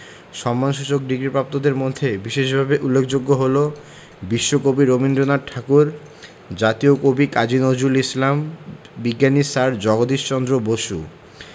সম্মানসূচক ডিগ্রিপ্রাপ্তদের মধ্যে বিশেষভাবে উল্লেখযোগ্য হলেন বিশ্বকবি রবীন্দ্রনাথ ঠাকুর জাতীয় কবি কাজী নজরুল ইসলাম বিজ্ঞানী স্যার জগদীশ চন্দ্র বসু